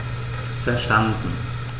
Verstanden.